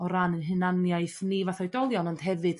o ran 'yn hunaniaeth ni fath a oedolion ond hefyd